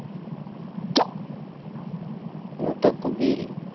ну так убери